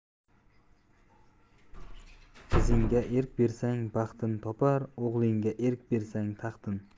qizingga erk bersang baxtini topar o'g'lingga erk bersang taxtini